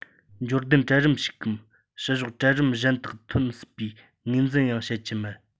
འབྱོར ལྡན གྲལ རིམ ཞིག གམ བཤུ གཞོག གྲལ རིམ གཞན དག ཐོན སྲིད པའི ངོས འཛིན ཡང བྱེད ཀྱི མེད